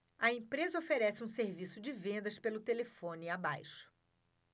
a empresa oferece um serviço de vendas pelo telefone abaixo